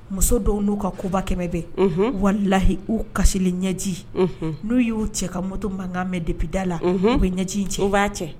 Muso dɔw n'u ka koba 100 bɛ unhun wal-lahi u kasiliɲɛji unhun n'u y'u cɛ ka moto mankan mɛ dépuis da la unhun u bɛ ɲɛji in cɛ u b'a cɛ